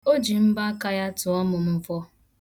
O ji mbọaka ya tụọ mụ mvọ.